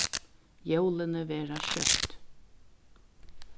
jólini vera skjótt